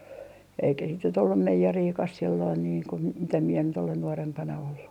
eikä sitten nyt ollut meijeriäkään silloin niin kuin - mitä minä nyt olen nuorempana ollut